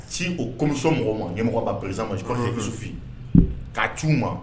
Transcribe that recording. A ci o kɔmisɔn mɔgɔ ma ɲɛ mɔgɔmɔgɔ baere masufin k'a t' ma